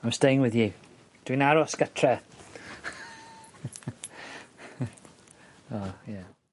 ...I'm staying with you. Dwi'n aros gytre. O ie.